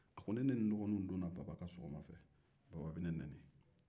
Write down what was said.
ni ne ni n dɔgɔnin donna baba ka so kɔnɔ baba bɛ ne nɛni